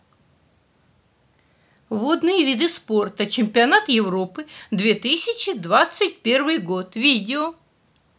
водные виды спорта чемпионат европы две тысячи двадцать первый год видео